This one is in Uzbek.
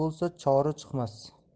bo'lsa chori chiqmas